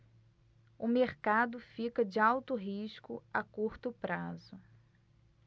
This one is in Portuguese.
o mercado fica de alto risco a curto prazo